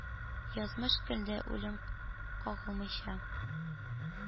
Язмыш көлде, үлем, кагылмыйча,